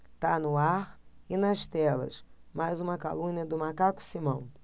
tá no ar e nas telas mais uma calúnia do macaco simão